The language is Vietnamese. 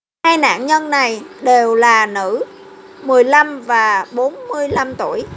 hai nạn nhân này đều là nữ mười lăm và bốn mươi lăm tuổi